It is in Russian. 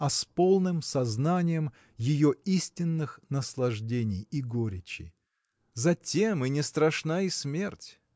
а с полным сознанием ее истинных наслаждений и горечи. Затем и не страшна и смерть